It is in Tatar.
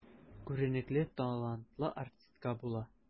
Күренекле, талантлы артистка була.